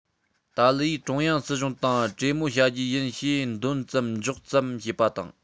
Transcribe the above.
ཏཱ ལའི ཡིས ཀྲུང དབྱང སྲིད གཞུང དང གྲོས མོལ བྱ རྒྱུ ཡིན ཞེས འདོན ཙམ འཇོག ཙམ བྱེད པ དང